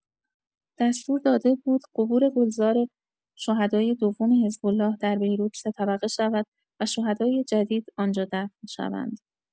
دستور داده بود قبور گلزار شهدای دوم حزب‌الله در بیروت سه‌طبقه شود و شهدای جدید آنجا دفن شوند.